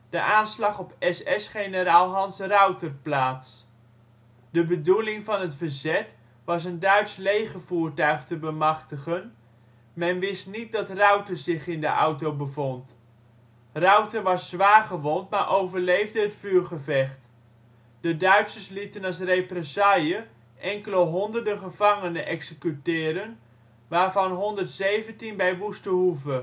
de aanslag op SS-generaal Hanns Rauter plaats. De bedoeling van het verzet was een Duits legervoertuig te bemachtigen; men wist niet dat Rauter zich in de auto bevond. Rauter was zwaargewond maar overleefde het vuurgevecht. De Duitsers lieten als represaille enkele honderden gevangenen executeren, waarvan 117 bij Woeste Hoeve. Een